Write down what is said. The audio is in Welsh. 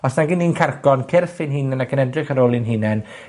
Fath nag 'yn ni'n carco'n cyrff 'ynn hunen ac yn edrych ar ôl ein hunen,